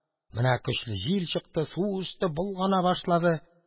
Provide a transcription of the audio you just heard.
Менә көчле җил чыкты. Су өсте болгана башлады.